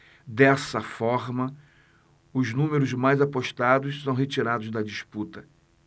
dessa forma os números mais apostados são retirados da disputa